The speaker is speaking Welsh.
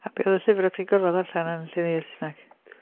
A be' oedd y llyfr o ti'n gorfod ddarllen yn llenyddiaeth Saesneg?